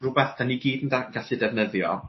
rwbeth 'dan ni gyd yn da- gallu defnyddio